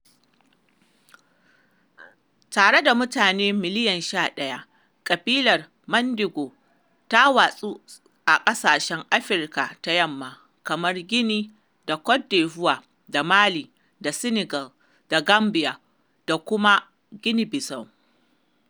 Tare da mutane miliyan 11, ƙabilar Mandingo ta watsu a ƙasashen Afirka ta Yamma kamar Guinea da Cote d'Ivoire da Mali da Senegal da Gambia da kuma Guinea-Bissau.